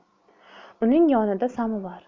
uning yonida samovar